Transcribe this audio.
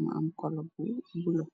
mu am kolo bu bule.